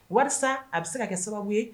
Walasa a bɛ se ka kɛ sababu ye